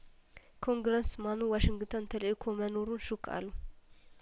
ኮንግረስማኑ ዋሽንግተን ተልእኮ መኖሩን ሹክ አሉ